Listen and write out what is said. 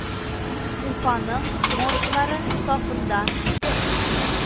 Уфаның моржлары сафында иде